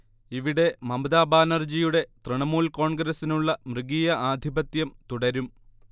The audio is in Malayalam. ഇവിടെ മമതാ ബാനർജിയുടെ തൃണമൂൽ കോൺഗ്രസിനുള്ള മൃഗീയ ആധിപത്യം തുടരും